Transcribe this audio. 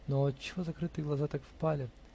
но отчего закрытые глаза так впали?